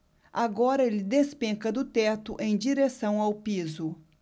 agora ele despenca do teto em direção ao piso